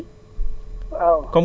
waaw boori Sàkkal aluwa